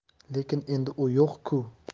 lekin endi u yo'q ku